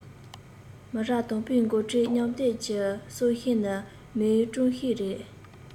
མི རབས དང པོའི འགོ ཁྲིད མཉམ སྡེབ ཀྱི སྲོག ཤིང ནི མའོ ཀྲུའུ ཞི རེད